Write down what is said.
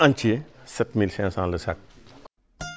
léegi le riz entier sept mille cinq cent le sac